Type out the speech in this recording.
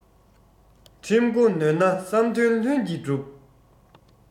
ཁྲིམས འགོ ནོན ན བསམ དོན ལྷུན གྱིས འགྲུབ